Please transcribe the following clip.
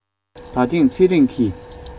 ད ཐེངས ཚེ རིང གིས